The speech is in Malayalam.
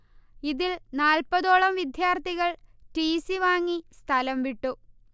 ഇതിൽ നാല്പതോളം വിദ്യാർത്ഥികൾ ടി. സി. വാങ്ങി സ്ഥലം വിട്ടു